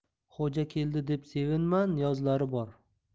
xo'ja keldi deb sevinma niyozlari bor